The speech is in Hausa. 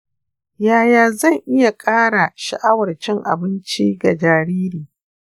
yaya zan iya ƙara sha’awar cin abinci ga jariri?